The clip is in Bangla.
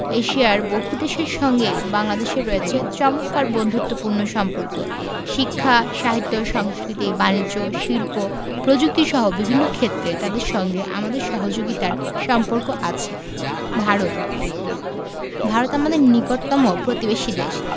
এশিয়ার বহুদেশের সঙ্গেই বাংলাদেশের রয়েছে চমৎকার বন্ধুত্বপূর্ণ সম্পর্ক শিক্ষা সাহিত্য সংস্কৃতি বানিজ্য শিল্প প্রযুক্তিসহ বিভিন্ন ক্ষেত্রে তাদের সঙ্গে আমাদের সহযোগিতার সম্পর্ক আছে ভারতঃ ভারত আমাদের নিকটতম প্রতিবেশী দেশ